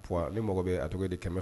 Wa ne mago bɛ a tɔgɔ ye di kɛmɛ